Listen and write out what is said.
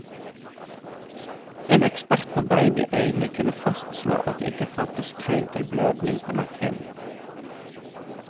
En ekspert på babyøyne kunne fastslå at det ikke fantes tegn til blødning på netthinnen.